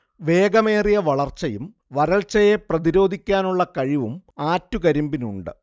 വേഗമേറിയ വളർച്ചയും വരൾച്ചയെ പ്രതിരോധിക്കാനുള്ള കഴിവും ആറ്റുകരിമ്പിനുണ്ട്